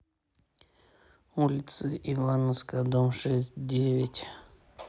улица ивановская дом шестьдесят девять